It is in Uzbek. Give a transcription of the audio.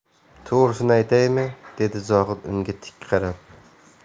to'g'risini aytaymi dedi zohid unga tik qarab